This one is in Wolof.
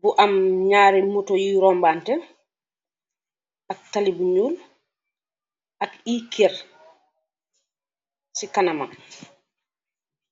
bu emm nyarri motor yu rombanteh, ak talibu nyull ak aii kerr si kanamam.